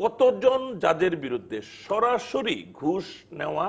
কতজন জাজ এর বিরুদ্ধে সরাসরি ঘুষ নেওয়া